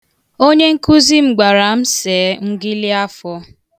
Onye nkuzi m gwara m see ngịlịafọ.